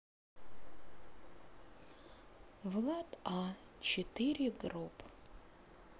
влад а четыре гроб